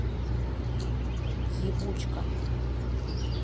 ебучка